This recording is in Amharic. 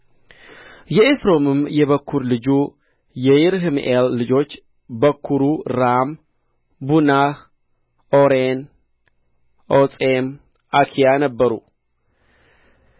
የኤስሮምም የበኵር ልጁ የይረሕምኤል ልጆች በኵሩ ራም ቡናህ ኦሬን ኦጼም አኪያ ነበሩ